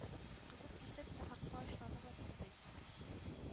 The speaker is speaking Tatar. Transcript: Кызып китеп, нахакка ачуланып атты, ди...